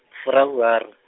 furaruraru.